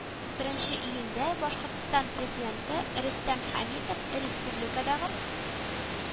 Беренче июньдә башкортстан президенты рөстәм хәмитов республикадагы